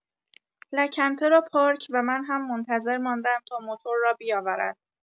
لکنته را پارک و من هم منتظر ماندم تا موتور را بیاورد.